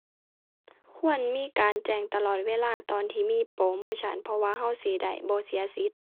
ควรมีการแจ้งตลอดเวลาตอนที่มีโปรโมชัน เพราะว่าเราสิได้บ่เสียสิทธิ์